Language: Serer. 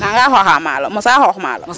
Nanga xooxaa maalo mosa xoox maalo?